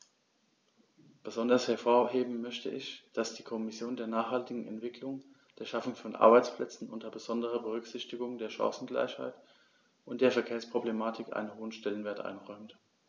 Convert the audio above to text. Besonders hervorheben möchte ich, dass die Kommission der nachhaltigen Entwicklung, der Schaffung von Arbeitsplätzen unter besonderer Berücksichtigung der Chancengleichheit und der Verkehrsproblematik einen hohen Stellenwert einräumt.